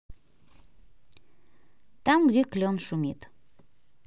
там где клен шумит